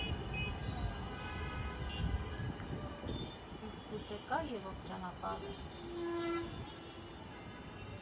Իսկ գուցե կա երրո՞րդ ճանապարհը։